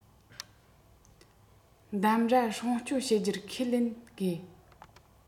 འདམ ར སྲུང སྐྱོང བྱེད རྒྱུར ཁས ལེན དགོས